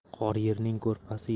qor yerning ko'rpasi